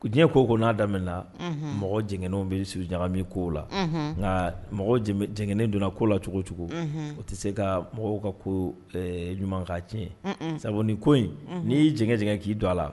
Diyɛn ko o ko n'a daminɛ na mɔgɔ jɛngɛnenw bɛ sen ɲangami kow la nka mɔgɔ jɛngɛnenw don la ko la cogo o cogo o tɛ se ka mɔgɔw ka ko ɲuman ka tiɲɛ sabu ni ko in n'i y'i jɛngɛn jɛngɛn k'i don a la